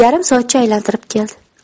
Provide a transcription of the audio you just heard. yarim soatcha aylantirib keldi